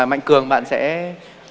mạnh cường bạn sẽ